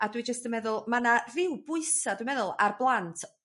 a dwi jyst yn meddwl ma' 'na rhyw bwysa' dwi meddwl ar blant